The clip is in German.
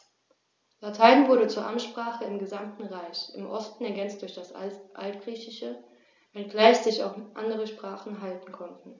Latein wurde zur Amtssprache im gesamten Reich (im Osten ergänzt durch das Altgriechische), wenngleich sich auch andere Sprachen halten konnten.